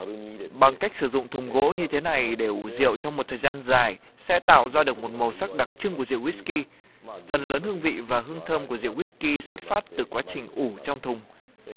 bằng cách sử dụng thùng gỗ như thế này để ủ rượu trong một thời gian dài sẽ tạo ra được một màu sắc đặc trưng của rượu guýt ki phần lớn hương vị và hương thơm của rượu guýt ki xuất phát từ quá trình ủ trong thùng